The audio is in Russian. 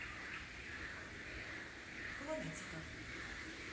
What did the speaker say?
колонетика